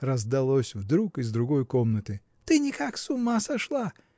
– раздалось вдруг из другой комнаты, – ты никак с ума сошла!